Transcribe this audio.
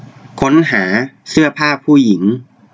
ค้นหาเสื้อผ้าผู้หญิง